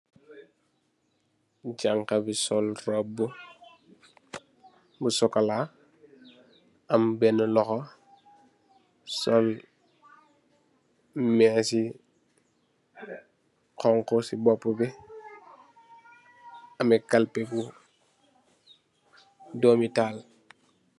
Jàngha bi sol robbu bu sokola, am benn loho, sol mess yi honku ci boppu bi, ameh calpeh bu doomital.